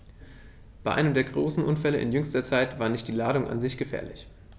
Bei einem der großen Unfälle in jüngster Zeit war nicht die Ladung an sich gefährlich.